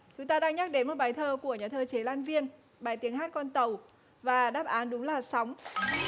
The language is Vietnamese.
chúng ta đang nhắc đến một bài thơ của nhà thơ chế lan viên bài tiếng hát con tàu và đáp án đúng là sóng